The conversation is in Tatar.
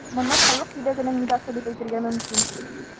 Моны халык йөрәгенең нидасы дип әйтергә мөмкин.